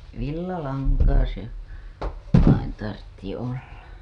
villalankaa se vain tarvitsi olla